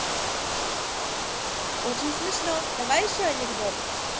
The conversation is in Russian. очень смешно давай еще анекдот